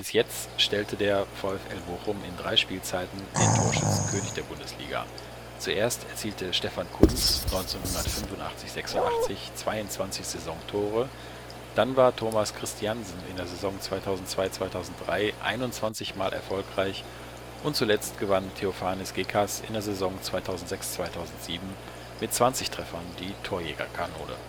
jetzt stellte der VfL Bochum in drei Spielzeiten den Torschützenkönig der Bundesliga: Zuerst erzielte Stefan Kuntz 1985 / 86 22 Saisontore, dann war Thomas Christiansen in der Saison 2002/03 21 mal erfolgreich, und zuletzt gewann Theofanis Gekas in der Saison 2006/07 mit 20 Treffern die Torjägerkanone